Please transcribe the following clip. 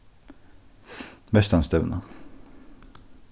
vestanstevna